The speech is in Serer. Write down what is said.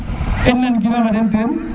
i nan giloxa den teen